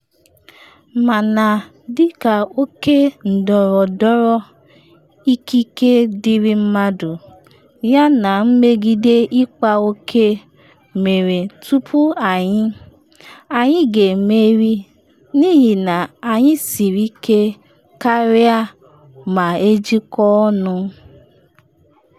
Mana, dị ka oke ndọrọndọrọ ikike dịịrị mmadụ yana mmegide ịkpa oke mere tupu anyị, anyị ga-emeri, n’ihi na anyị siri ike karịa ma ejikọọ ọnụ.